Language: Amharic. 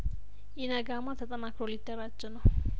ኢነጋማ ተጠናክሮ ሊደራጅ ነው